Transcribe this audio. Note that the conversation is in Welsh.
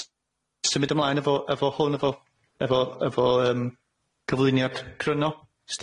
s- symud ymlaen efo efo hwn efo efo efo yym cyflwyniad cryno 's